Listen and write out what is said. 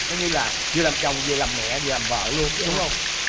coi như là vừa làm chồng vừa mẹ vừa làm vợ luôn đúng hông